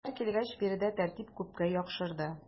Алар килгәч биредә тәртип күпкә яхшырды.